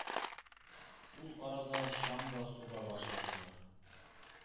Ул арада чаң да суга башладылар,